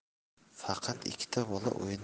faqat ikkita bola